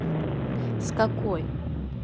с какой